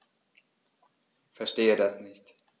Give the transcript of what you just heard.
Verstehe das nicht.